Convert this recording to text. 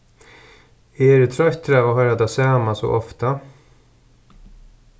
eg eri troyttur av at hoyra tað sama so ofta